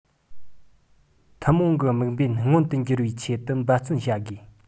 ཐུན མོང གི དམིགས འབེན མངོན དུ འགྱུར བའི ཆེད དུ འབད བརྩོན བྱ དགོས